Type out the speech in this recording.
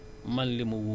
te lu ñuy assurer